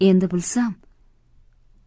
endi bilsam